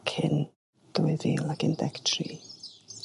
...cyn dwy fil ac un deg tri.